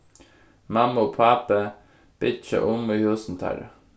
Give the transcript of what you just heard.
mamma og pápi byggja um í húsum teirra